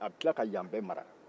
a bɛ tila ka yan bɛɛ mara